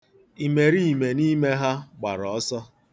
Imeriime n'ime ha gbara ọsọ.